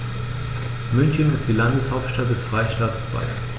München ist die Landeshauptstadt des Freistaates Bayern.